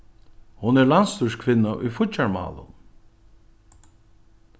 hon er landsstýriskvinna í fíggjarmálum